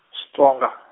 Xitsonga .